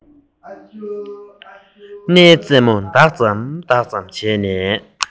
སྣའི རྩེ མོ ལྡག ཙམ ལྡག ཙམ བྱས ནས